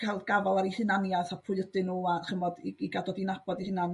ca'l gafal ar i hunaniath a pwy ydyn n'w a ch'mod i ga'l dod i nabod i hunan